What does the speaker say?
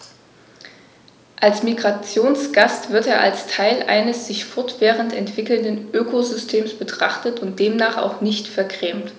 Als Migrationsgast wird er als Teil eines sich fortwährend entwickelnden Ökosystems betrachtet und demnach auch nicht vergrämt.